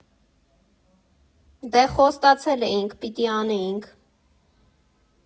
Դե խոստացել էինք՝ պիտի անեինք։